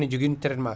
ene joogui traitement